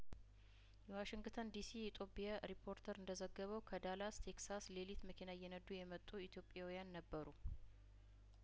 የዋሽንግተን ዲሲ የጦቢያ ሪፖርተር እንደዘገበው ከዳላስ ቴክሳስ ሌሊት መኪና እየነዱ የመጡ ኢትዮጵያውያን ነበሩ